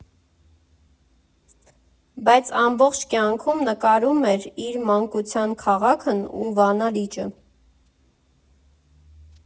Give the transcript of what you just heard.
Բայց ամբողջ կյանքում նկարում էր իր մանկության քաղաքն ու Վանա լիճը։